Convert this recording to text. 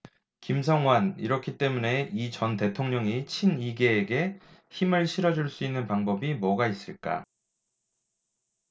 김성완 이렇기 때문에 이 전 대통령이 친이계에게 힘을 실어줄 수 있는 방법이 뭐가 있을까